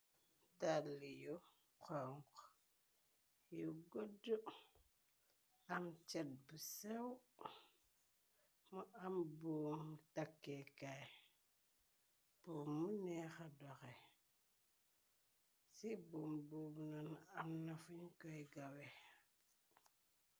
dalli yu xong yu godd am cet bu sew mu am boomu takkeekaay bo muneexa doxe ci boom bob nan am na fuñ koy gawe